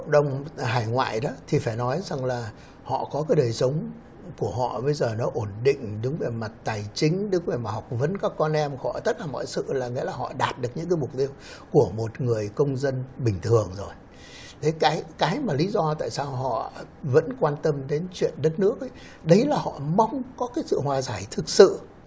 cộng đồng ở hải ngoại đó thì phải nói rằng là họ có cái đời sống của họ bây giờ nó ổn định đứng về mặt tài chính đứng về mặt học vấn các con em của họ tất cả mọi sự là nghĩa là họ đạt được những cái mục tiêu của một người công dân bình thường rồi thế cái cái mà lý do tại sao họ vẫn quan tâm đến chuyện đất nước ấy đấy là họ mong có cái sự hòa giải thực sự